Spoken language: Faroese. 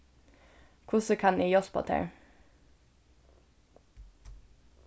hvussu kann eg hjálpa tær